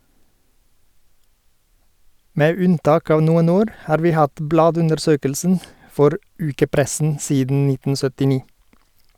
Med unntak av noen år har vi hatt bladundersøkelsen for ukepressen siden 1979.